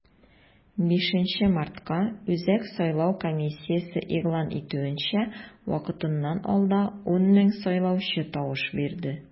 5 мартка, үзәк сайлау комиссиясе игълан итүенчә, вакытыннан алда 10 мең сайлаучы тавыш бирде.